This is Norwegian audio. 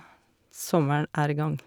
Sommeren er i gang.